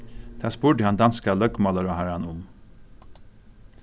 tað spurdi hann danska løgmálaráðharran um